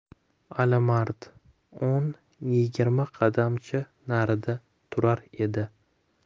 alimard o'n yigirma qadamcha narida turar edi